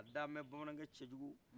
a dalen bɛ bamanankɛ cɛjugu